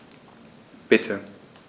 Bitte.